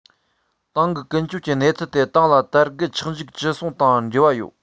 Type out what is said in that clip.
ཏང གི ཀུན སྤྱོད ཀྱི གནས ཚུལ དེ ཏང ལ དར རྒུད ཆགས འཇིག ཇི ཡོང དང འབྲེལ བ ཡོད